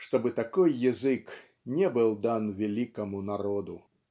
чтобы такой язык не был дан великому народу".